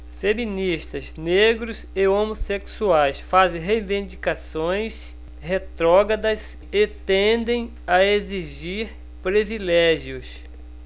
feministas negros e homossexuais fazem reivindicações retrógradas e tendem a exigir privilégios